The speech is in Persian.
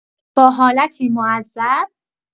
با حالتی معذب